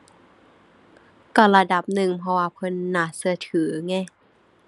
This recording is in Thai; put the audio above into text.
ก็ระดับหนึ่ง เพราะว่าเพิ่นน่าก็ถือไง